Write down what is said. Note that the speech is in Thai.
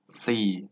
สี่